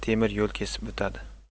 temir yo'l kesib o'tadi